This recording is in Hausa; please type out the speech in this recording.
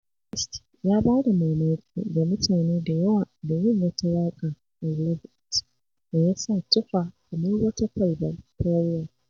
West ya ba da mamaki ga mutane da yawa da yin wata waƙa “I love it”, da ya sa tufa kamar wata Kwalbar Perrier.